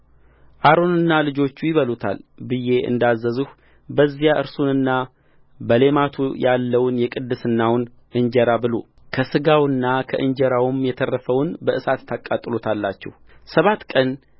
አሮንና ልጆቹ ይበሉታል ብዬ እንዳዘዝሁ በዚያ እርሱንና በሌማቱ ያለውን የቅድስናውን እንጀራ ብሉከሥጋውና ከእንጀራውም የተረፈውን በእሳት ታቃጥሉታላችሁሰባት ቀን